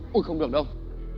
ôi không được đâu